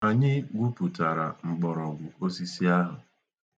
Anyị gwuputara mgbọrọgwụ osisi ahụ.